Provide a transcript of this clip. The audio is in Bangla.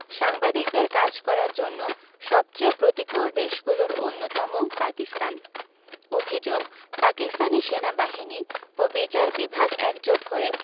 সাংবাদিকদের কাজ করার জন্য সবচেয়ে প্রতিকূল দেশগুলোর অন্যতম পাকিস্তান অভিযোগ পাকিস্তানি সেনাবাহিনী ও বিচার বিভাগ একজোট হয়ে